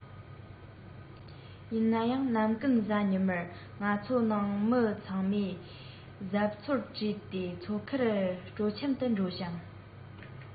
ཡིན ན ཡང རྣམ ཀུན གཟའ ཉི མར ང ཚོ ནང མི ཚང མས གཟབ མཚོར སྤྲས ཏེ མཚོ ཁར སྤྲོ འཆམ དུ འགྲོ ཞིང